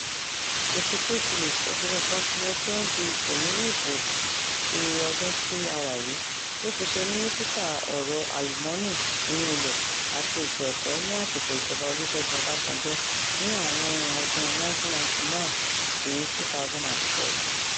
Ezekwesili, obìnrin kan ṣoṣo tí ó ń du ipò nínú ìbò ti ọdún tí a wà yìí, ó ti ṣe mínísítà ọrọ̀ àlùmọ́nì inú-ilẹ̀ àti ètò ẹ̀kọ́ ní àsìkò ìjọba Olusegun Obasanjo ní àárín ọdún 1999 sí 2007.